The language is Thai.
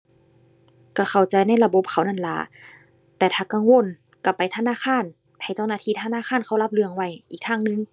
ก็เข้าใจในระบบเขานั่นล่ะ แต่ถ้ากังวล ก็ไปธนาคาร ให้เจ้าหน้าที่ธนาคารเขารับเรื่องไว้ อีกทางหนึ่ง